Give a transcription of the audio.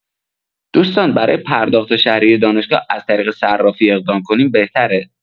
دوستان برای پرداخت شهریه دانشگاه از طریق صرافی اقدام کنیم بهتره؟